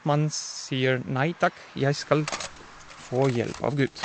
Nei takk, jeg skal få hjelp av Gud.